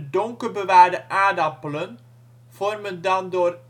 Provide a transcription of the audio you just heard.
donker bewaarde aardappelen vormen dan door